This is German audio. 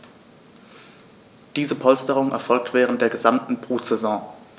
Diese Polsterung erfolgt während der gesamten Brutsaison.